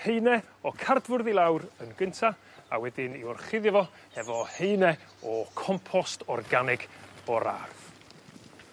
haene o cardfwrdd i lawr yn gynta a wedyn i'w orchuddio fo efo haene o compost organig o'r ardd.